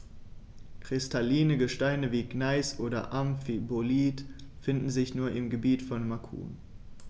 Kristalline Gesteine wie Gneis oder Amphibolit finden sich nur im Gebiet von Macun.